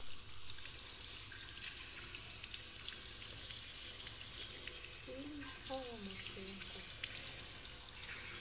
фильм о ломаченко